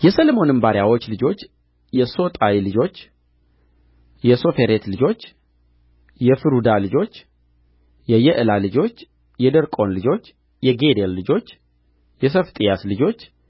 የሰሎሞንም ባሪያዎች ልጆች የሶጣይ ልጆች የሶፌሬት ልጆች የፍሩዳ ልጆች የየዕላ ልጆች የደርቆን ልጆች የጌዴል ልጆች የሰፋጥያስ ልጆች